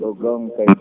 ko grand mum *